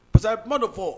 Pa quesa ye kuma dɔ fɔ